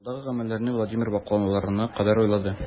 Алдагы гамәлләрне Владимир ваклыкларына кадәр уйлады.